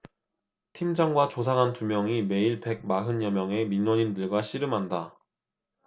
팀장과 조사관 두 명이 매일 백 마흔 여명의 민원인들과 씨름한다